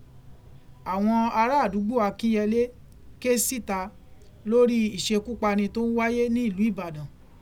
Àwọn ará àdúgbò Akinyele ké síta lórí iṣékúpani tó ń wáyé ní ìlú Ibadan.